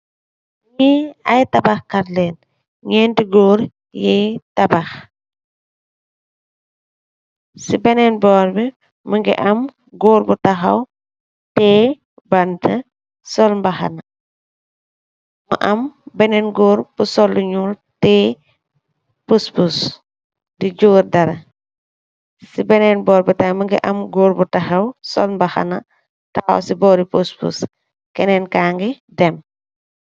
Nyii amb tahbahk kat lang nyenti gorr youye tabahk ci benen borr bi mougui am gorr bou tahaw teye banta sol mbagna mou am benen gorr bou sol lou nyull tiyee puspus di ndorr darra